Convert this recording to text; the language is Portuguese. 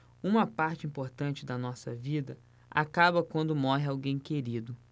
uma parte importante da nossa vida acaba quando morre alguém querido